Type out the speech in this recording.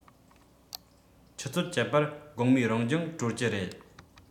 ཆུ ཚོད བཅུ པར དགོང མོའི རང སྦྱོང གྲོལ གྱི རེད